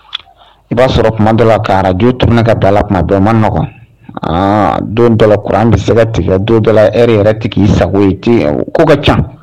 I b'a sɔrɔ tuma bɛɛkaraj tɛm ka dala la tuma bɛn man nɔgɔ bɛɛ kuran an bɛ sɛgɛ tigɛ bɛɛ yɛrɛ tigi i sagogo ko ka ca